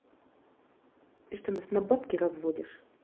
ты что нас на бабки разводишь